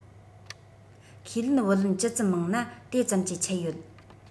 ཁས ལེན བུ ལོན ཇི ཙམ མང ན དེ ཙམ གྱིས ཆད ཡོད